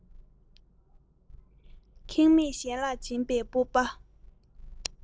ཁེངས མེད གཞན ལ སྦྱིན པའི སྤོབས པ